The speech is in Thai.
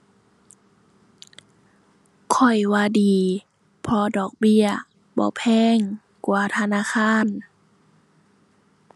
ข้อยว่าดี เพราะดอกเบี้ยบ่แพงกว่าธนาคาร